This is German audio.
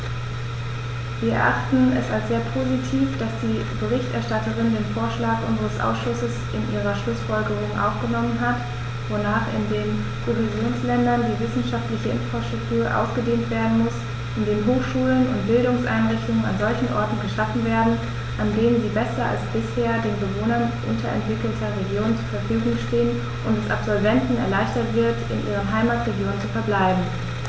Wir erachten es als sehr positiv, dass die Berichterstatterin den Vorschlag unseres Ausschusses in ihre Schlußfolgerungen aufgenommen hat, wonach in den Kohäsionsländern die wissenschaftliche Infrastruktur ausgedehnt werden muss, indem Hochschulen und Bildungseinrichtungen an solchen Orten geschaffen werden, an denen sie besser als bisher den Bewohnern unterentwickelter Regionen zur Verfügung stehen, und es Absolventen erleichtert wird, in ihren Heimatregionen zu verbleiben.